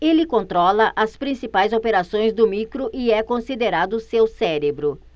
ele controla as principais operações do micro e é considerado seu cérebro